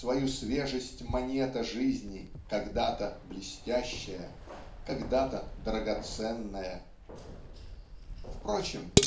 свою свежесть момента жизни когда-то блестящая когда-то драгоценная. Впрочем